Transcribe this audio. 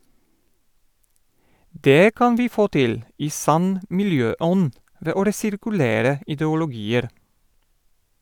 Det kan vi få til, i sann miljøånd, ved å resirkulere ideologier.